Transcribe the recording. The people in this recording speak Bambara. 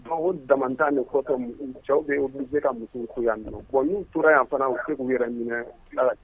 Bon o damantan de kɔsɔ mus cɛ be obliger ka musow to yan drɔn bon n'u tora yan fana u te se k'u yɛrɛ minɛ